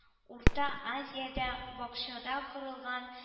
—урта азиядә бакчада корылган